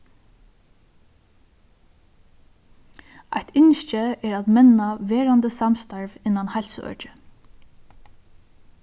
eitt ynski er at menna verandi samstarv innan heilsuøki